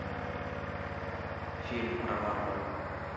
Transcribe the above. фильм про варваров